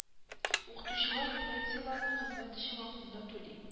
Укытучылар пенсиаларны хезмәт өчен вакытында түли